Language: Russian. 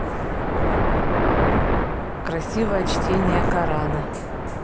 красивое чтение корана